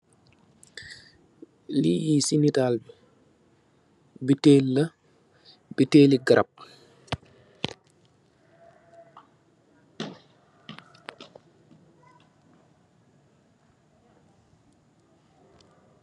Lii si nitaal bi, bitail lah, bitaili garap.